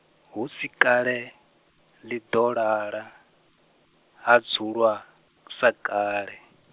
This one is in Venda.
hu si kale, ḽi ḓo lala, ha dzulwa, sa kale.